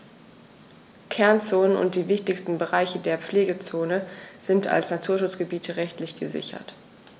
Kernzonen und die wichtigsten Bereiche der Pflegezone sind als Naturschutzgebiete rechtlich gesichert.